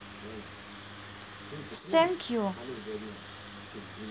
thank you